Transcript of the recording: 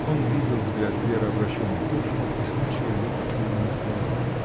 Он видел взгляд Веры, обращенный к Тушину, и слышал ее последние слова.